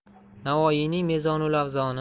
navoiyning mezonul avzoni